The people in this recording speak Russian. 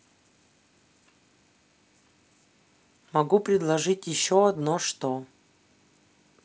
могу предложить еще одно что